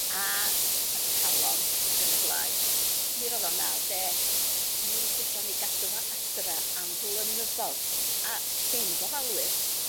A trafferth calon ag yn y blaen. Mi ro'dd o'n naw deg. Mi fedran ni gadw fo adra am flynyddodd a dim gofalwyr.